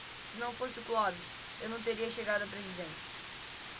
se não fosse o clóvis eu não teria chegado à presidência